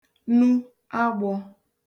nu agbọ̄